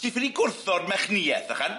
Ti ffili gwrthod merchnieth ychan?